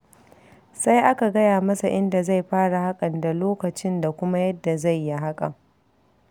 Sai aka gaya masa inda zai fara haƙan da lokacin da kuma yadda zai yi haƙan.